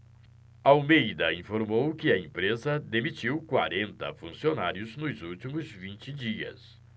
almeida informou que a empresa demitiu quarenta funcionários nos últimos vinte dias